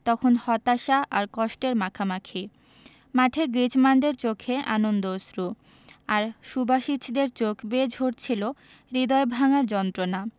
তখন হতাশা আর কষ্টের মাখামাখি মাঠে গ্রিজমানদের চোখে আনন্দ অশ্রু আর সুবাসিচদের চোখ বেয়ে ঝরছিল হৃদয় ভাঙার যন্ত্রণা